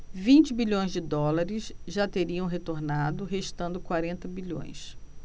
vinte bilhões de dólares já teriam retornado restando quarenta bilhões